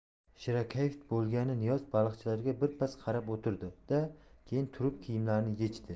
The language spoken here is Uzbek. shirakayf bo'lgan niyoz baliqchilarga birpas qarab o'tirdi da keyin turib kiyimlarini yechdi